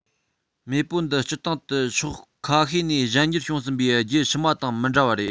མེས པོ འདི སྤྱིར བཏང དུ ཕྱོགས ཁ ཤས ནས གཞན འགྱུར བྱུང ཟིན པའི རྒྱུད ཕྱི མ དང མི འདྲ བ རེད